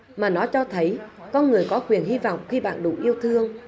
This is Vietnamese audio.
mà nó cho thấy có người có quyền hy vọng khi bạn đủ yêu thương